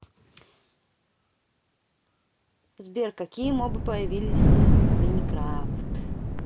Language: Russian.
сбер какие мобы первые появились в minecraft